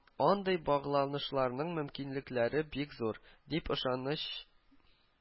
Андый багланышларның мөмкинлекләре бик зур, дип ышаныч